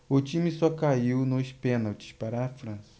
o time só caiu nos pênaltis para a frança